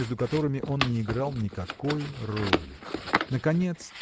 между которыми он не играл никакой роли. Наконец